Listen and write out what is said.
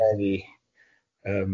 ...very yym,